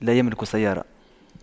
لا يملك سيارة